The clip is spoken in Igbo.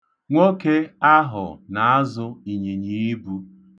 Nwoke ahụ na-azụ ịnyịnyiibu.